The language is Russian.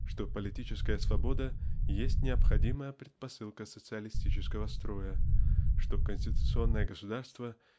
что политическая свобода есть необходимая предпосылка социалистического строя что конституционное государство